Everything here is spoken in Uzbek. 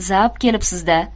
zap kelibsizda